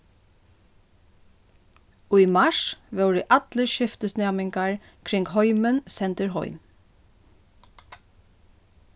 í mars vóru allir skiftisnæmingar kring heimin sendir heim